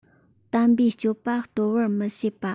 དམ པའི སྤྱོད པ འདོར བར མི བྱེད པ